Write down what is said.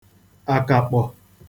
àkàkpọ̀